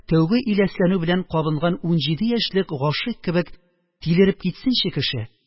Тәүге иләсләнү белән кабынган унҗиде яшьлек гашыйк кебек тилереп китсенче кеше!